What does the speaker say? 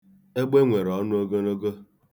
Egbe nwere ọnụ ogologo.